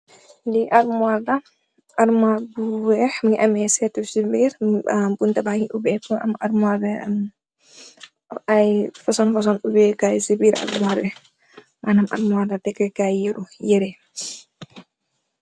Li armora armor bu weex mi amee setu ci biir ba buntabangi ubk am ry foson foson ubkaay ci biir armore manam armoorla tekkay yeru yere.